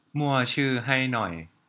มั่วชื่อให้หน่อย